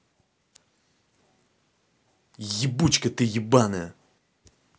ебучка ты ебаная